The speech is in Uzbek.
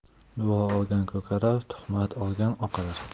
duo olgan ko'karar tuhmat olgan oqarar